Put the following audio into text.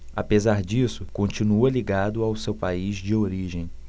apesar disso continua ligado ao seu país de origem